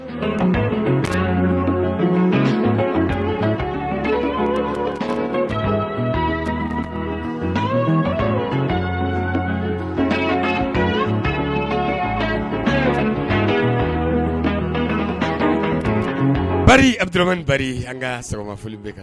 A bɛto ba an ka sago sɔgɔma foli bɛ kan